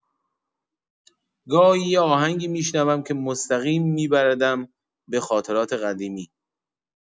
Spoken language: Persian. گاهی یه آهنگی می‌شنوم که مستقیم می‌بردم به خاطرات قدیمی.